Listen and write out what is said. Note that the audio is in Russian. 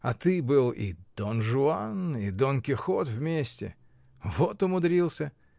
А ты был и Дон Жуан, и Дон Кихот вместе. Вот умудрился!